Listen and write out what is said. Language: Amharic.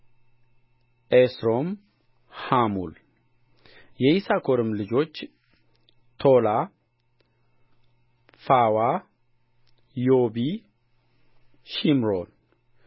ያዕቆብንና ሕፃናቶቻቸውን ሴቶቻቸውንም ወሰዱ እንስሶቻቸውንም በከነዓን አገርም ያገኙትን ከብታቸውን ሁሉ ይዘው